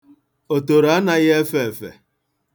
Otoro anaghị efe efe.